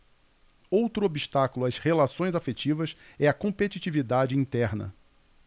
outro obstáculo às relações afetivas é a competitividade interna